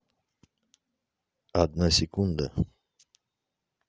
одна секунда